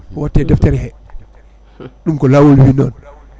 o watte e deftere he ɗum ko laawol wi noon